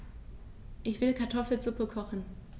Ich will Kartoffelsuppe kochen.